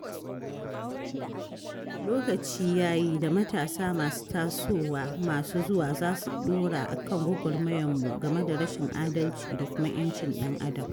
Lokaci ya yi da matasa masu tasowa masu zuwa za su ɗora a kan gwagwarmayarmu game da rashin adalci da kuma 'yancin ɗan-adam.